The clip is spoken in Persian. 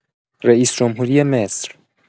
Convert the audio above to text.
رئیس‌جمهوری مصر